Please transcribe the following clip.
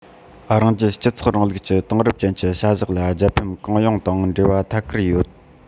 རང རྒྱལ སྤྱི ཚོགས རིང ལུགས ཀྱི དེང རབས ཅན གྱི བྱ གཞག ལ རྒྱལ ཕམ གང ཡོང དང འབྲེལ བ ཐད ཀར ཡོད